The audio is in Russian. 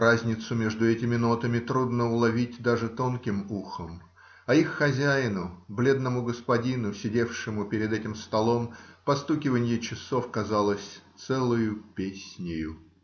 Разницу между этими нотами трудно уловить даже тонким ухом, а их хозяину, бледному господину, сидевшему перед этим столом, постукиванье часов казалось целою песнею.